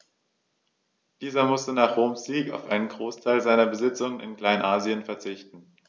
Dieser musste nach Roms Sieg auf einen Großteil seiner Besitzungen in Kleinasien verzichten.